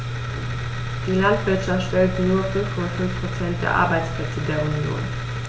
Die Landwirtschaft stellt nur 5,5 % der Arbeitsplätze der Union.